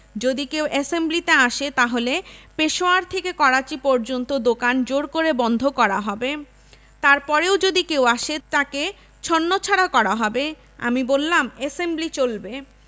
যদি কেউ এসেম্বলি তে আসে তাহলে পেশোওয়ার থেকে করাচি পর্যন্ত দোকান জোর করে বন্ধ করা হবে তারপরেও যদি কেউ আসে তাকে ছান নাছাড়া করা হবে আমি বললাম এসেম্বলি চলবে